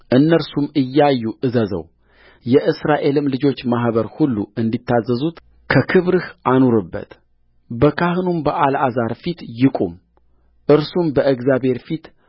እነርሱም እያዩ እዘዘውየእስራኤልም ልጆች ማኅበር ሁሉ እንዲታዘዙት ከክብርህ አኑርበትበካህኑም በአልዓዛር ፊት ይቁም እርሱም በእግዚአብሔር ፊት